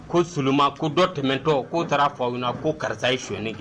Ko sma ko dɔ tɛmɛntɔ k'o taara fɔ aw na ko karisa ye s soni kɛ